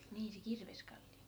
niin se Kirveskallio